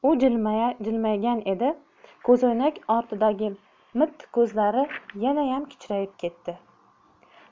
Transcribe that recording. u jilmaygan edi ko'zoynak ortidagi mitti ko'zlari yanayam kichrayib ketdi